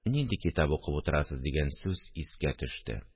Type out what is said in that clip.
– нинди китап укып утырасыз? – дигән сүз искә төште